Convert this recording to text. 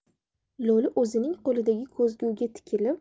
lo'li o'zining qo'lidagi ko'zguga tikilib